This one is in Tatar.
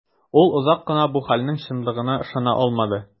Ул озак кына бу хәлнең чынлыгына ышана алмады.